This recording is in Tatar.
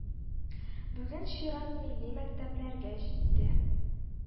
Бүген чират милли мәктәпләргә җитте